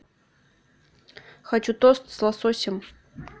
хочу тост с лососем